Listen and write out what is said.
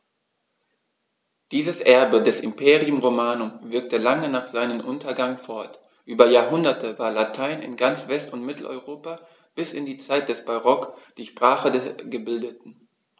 Dieses Erbe des Imperium Romanum wirkte lange nach seinem Untergang fort: Über Jahrhunderte war Latein in ganz West- und Mitteleuropa bis in die Zeit des Barock die Sprache der Gebildeten.